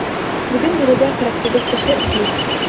Бүген биредә 48 кеше эшли.